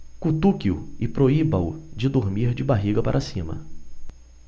cutuque-o e proíba-o de dormir de barriga para cima